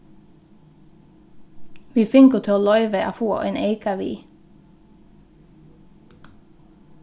vit fingu tó loyvi at fáa ein eyka við